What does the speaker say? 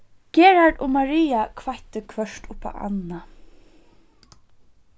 gerhard og maria kveittu hvørt upp á annað